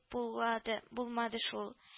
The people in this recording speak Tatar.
Булады булмады шул